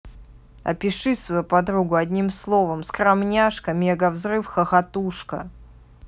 опиши свою подругу одним словом скрамняшка мегавзрыв хохотушка